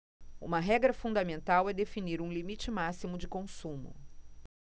uma regra fundamental é definir um limite máximo de consumo